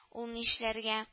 Ул нишләргә